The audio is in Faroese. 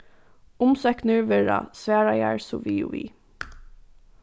umsóknir verða svaraðar so við og við